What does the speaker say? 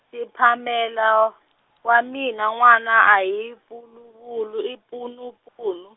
Shiphamela, wa mina n'wana a hi Puluvulu i Punupunu.